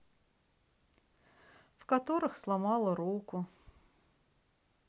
в которых сломала руку